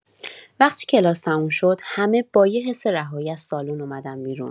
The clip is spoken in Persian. وقتی کلاس تموم شد، همه با یه حس رهایی از سالن اومدن بیرون.